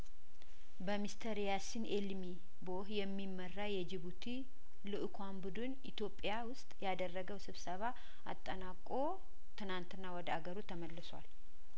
በሚስትር ያሲን ኤል ሚ ቦህ የሚመራ የጅቡቲ ልኡካን ቡድን ኢትዮጵያ ውስጥ ያደረገው ስብሰባ አጠናቆ ትናንትና ወደ አገሩ ተመልሷል